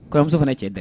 Kɔrɔmuso fana cɛ dɛ